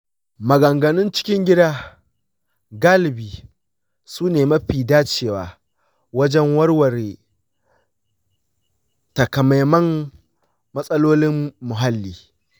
maganganun cikin gida galibi su ne mafi dacewa wajen warware takamaiman matsalolin muhalli.